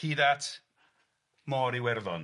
Hyd at Môr Iwerddon.